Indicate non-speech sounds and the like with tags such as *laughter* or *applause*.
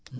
*hesitation*